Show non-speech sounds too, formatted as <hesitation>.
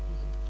<hesitation> <hesitation>